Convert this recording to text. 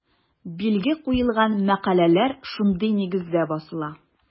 Билге куелган мәкаләләр шундый нигездә басыла.